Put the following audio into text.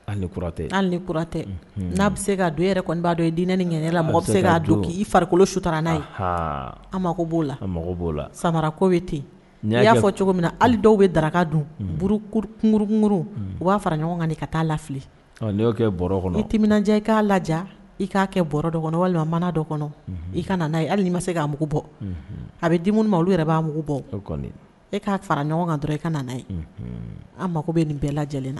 Tɛtɛ n'a bɛ se ka don e yɛrɛ kɔni b'a dɔn i diani kɛ mɔgɔ bɛ se' don k i farikolo suta n'a ye an mako b'o la b'o la samara ko ye ten y'a fɔ cogo min na hali dɔw bɛ daraka dun burukkkuru u b'a fara ɲɔgɔn kan ka taaa lafili kɔnɔ tija i k'a laja i k'a kɛ bɔ dɔn kɔnɔ walima mana dɔ kɔnɔ i ka' hali ni ma se k' mugu bɔ a bɛ di minnu ma olu yɛrɛ b'a bɔ e k'a fara ɲɔgɔn kan dɔrɔn i ka na' ye an mako bɛ nin bɛɛ lajɛ lajɛlen na